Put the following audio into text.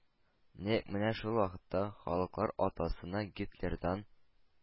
Нәкъ менә шул вакытта “халыклар атасы”на Гитлердан,